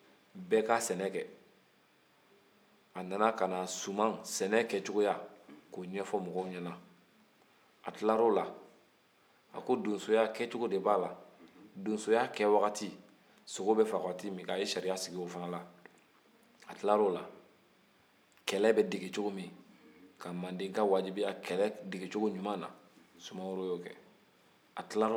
a kilar'o la a ko donsoya kɛcogo de b'a la donsoya kɛ waati sogo bɛ faga waati min a ye sariya sigi o fɛnɛ na a kilar'o la kɛlɛ bɛ dege cogo min ka mandenka wajibiya kɛlɛ dege cogo ɲuman na sumaworo y'o kɛ a kilar'o la